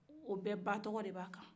o bɛɛ ba tɔgɔ de b'a kan